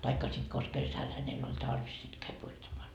tai sitten konsa kesällä hänellä oli tarvis sitten kävi puittamaan